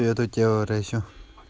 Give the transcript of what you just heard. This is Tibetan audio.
རའི འོ མ ཅུང ཙམ ཡོད པ དེ